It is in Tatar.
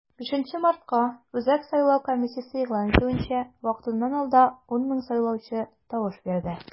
5 мартка, үзәк сайлау комиссиясе игълан итүенчә, вакытыннан алда 10 мең сайлаучы тавыш бирде.